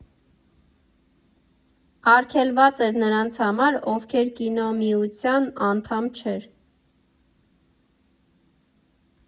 Արգելված էր նրանց համար, ովքեր Կինոմիության անդամ չէր։